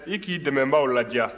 i k'i dɛmɛbaaw ladiya